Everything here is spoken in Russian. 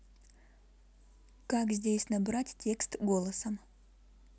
как здесь набрать текст голосом